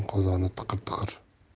yo'qning qozoni tiqir tiqir